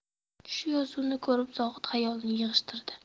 shu yozuvni ko'rib zohid xayolini yig'ishtirdi